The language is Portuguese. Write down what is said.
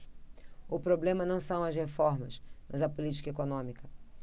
o problema não são as reformas mas a política econômica